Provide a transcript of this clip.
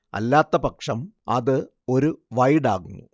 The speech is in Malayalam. അല്ലാത്തപക്ഷം അത് ഒരു വൈഡാകുന്നു